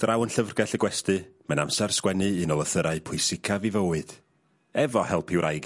...draw yn llyfrgell y gwesty mae'n amsar sgwennu un o lythyrau pwysicaf 'i fywyd efo help 'i wraig...